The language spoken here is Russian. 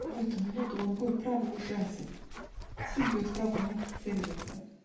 (в эту минуту он был, право, ужасен) Сильвио стал в меня прицеливаться.